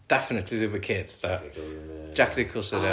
definitely dim y kid de, Jack Nicholson dio